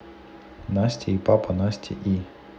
настя и папа настя и